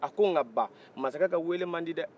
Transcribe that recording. a ko nka ba masakɛ ka weele ma di dɛɛ